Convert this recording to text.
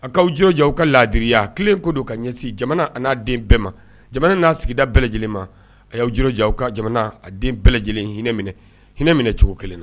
Aw ka'aw jirɔja aw ka laadiriya kilen ko don ka ɲɛsin jamana a n'a den bɛɛ ma jamana n'a sigida bɛɛ lajɛlen ma a y'aw jirɔja aw ka jamana a den bɛɛ lajɛlen hinɛ minɛ hinɛ minɛ cogo kelen na